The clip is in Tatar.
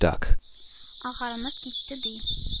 Агарынып китте, ди.